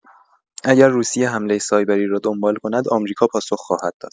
اگر روسیه حمله سایبری را دنبال کند، آمریکا پاسخ خواهد داد.